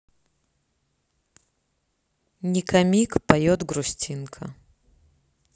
nekomik поет грустинка